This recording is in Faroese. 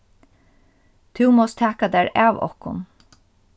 tú mást taka tær av okkum